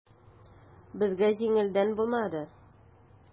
Безгә җиңелдән булмады.